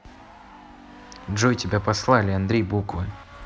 джой тебя послали андрей буквы